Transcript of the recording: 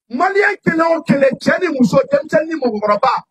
Mali kelen o kelen cɛ ni musoc ni mɔgɔkɔrɔba